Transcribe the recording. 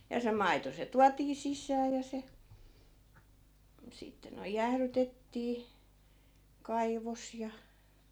ja se maito se tuotiin sisään ja se sitten noin jäähdytettiin kaivossa ja